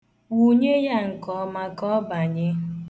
Wunye ya nke ọma ka ọ banye.